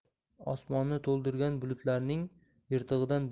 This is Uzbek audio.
osmonni to'ldirgan bulutlarning yirtig'idan